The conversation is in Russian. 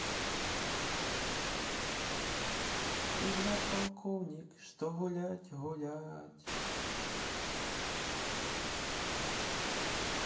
би два полковник что гулять гулять